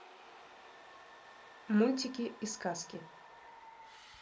мультики и сказки